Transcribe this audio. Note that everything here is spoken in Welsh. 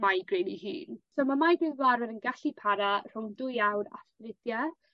migraine 'i hun. So ma' migraine fel arfer yn gallu para rhwng dwy awr a thridie.